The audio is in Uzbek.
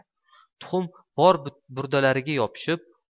tuxum non burdalariga yopishib